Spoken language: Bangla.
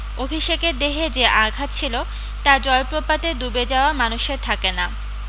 অভিষেকের দেহে যে আঘাত ছিল তা জলপ্রপাতে ডুবে যাওয়া মানুষের থাকে না